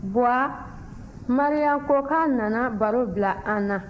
baba maria ko k'a nana baro bila an na